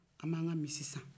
an b an ka misi san